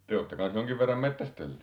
te olette kanssa jonkin verran metsästellyt